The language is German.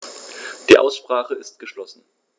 Die Aussprache ist geschlossen.